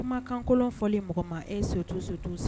Kumakan kolo fɔlen mɔgɔ ma et surtout, surtout